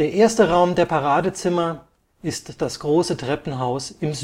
erste Raum der Paradezimmer ist das große Treppenhaus im